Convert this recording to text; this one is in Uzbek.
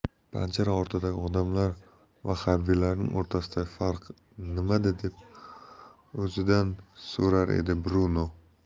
panjara ortidagi odamlar va harbiylarning o'rtasidagi farq nimada deb o'zidan so'rar edi bruno